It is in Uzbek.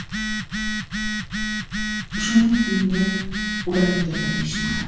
shundan keyin men ularning gapini eshitmadim